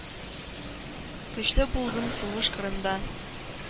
Көчле булдым сугыш кырында,